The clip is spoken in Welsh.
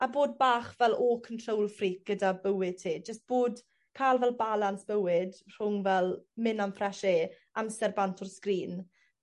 A bod bach fel all control freek gyda bywyd ti jyst bod ca'l fel balans bywyd rhwng fel myn' am fresh air amser bant o'r sgrin